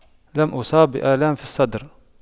لم أصاب بألآم في الصدر